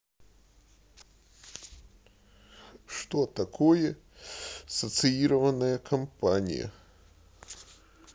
что такое социированная компания